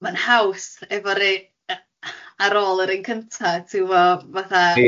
ma'n haws efo rei- ar ôl yr un cynta tibo fatha... Ie.